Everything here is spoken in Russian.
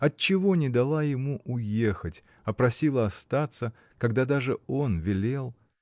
Отчего не дала ему уехать, а просила остаться, когда даже он велел.